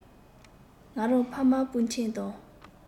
ང རང ཕ མ སྤུན ཆེད དང